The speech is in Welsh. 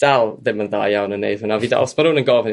dal ddim yn dda iawn yn 'neud hwnna fi dal... os ma' rwy'n yn gofyn i